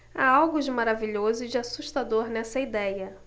há algo de maravilhoso e de assustador nessa idéia